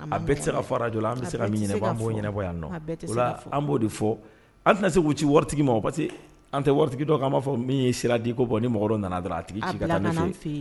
A bɛ se ka fara jɔ an bɛ se ka an b'o ɲɛnabɔ yan nɔ ola an b'o de fɔ an tɛna se' ci waritigi mɔgɔ an tɛ waritigi dɔn kan an b'a fɔ min ye sira di ko bɔ ni mɔgɔ nana dɔrɔn a tigi ci ka